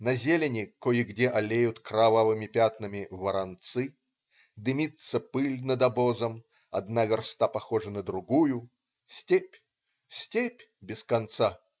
На зелени кое-где алеют кровавыми пятнами - воронцы. Дымится пыль над обозом. Одна верста похожа на другую. Степь. степь. без конца.